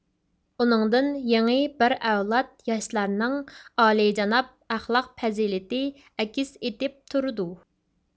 ئۇنىڭدىن يېڭى بىر ئەۋلاد ياشلارنىڭ ئالىيجاناب ئەخلاق پەزىلىتى ئەكس ئېتىپ تۇرىدۇ